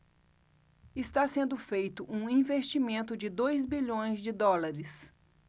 está sendo feito um investimento de dois bilhões de dólares